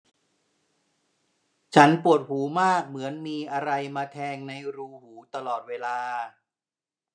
ฉันปวดหูมากเหมือนมีอะไรมาแทงในรูหูตลอดเวลา